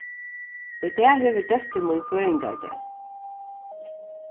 í dag hevur dóttir mín føðingardag